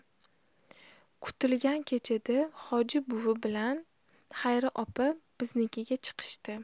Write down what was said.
kutilgan kechada hoji buvi bilan xayri opa biznikiga chiqishdi